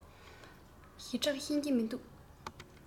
ཞེ དྲགས ཤེས ཀྱི མི འདུག